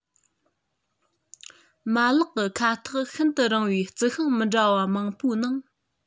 མ ལག གི ཁ ཐག ཤིན ཏུ རིང བའི རྩི ཤིང མི འདྲ བ མང པོའི ནང